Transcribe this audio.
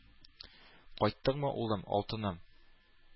Кайттыңмы, улым, алтыным!